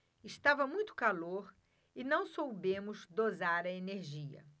estava muito calor e não soubemos dosar a energia